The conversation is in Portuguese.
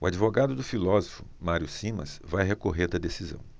o advogado do filósofo mário simas vai recorrer da decisão